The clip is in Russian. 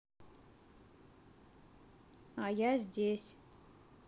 а я здесь